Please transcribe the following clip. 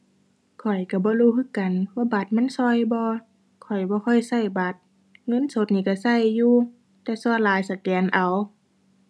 ข้อยก็บ่รู้คือกันว่าบัตรมันก็บ่ ข้อยบ่ค่อยก็บัตร เงินสดนี้ก็ก็อยู่ แต่ส่วนหลายสแกนเอา